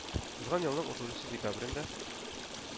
Узган елның утызынчы декабрендә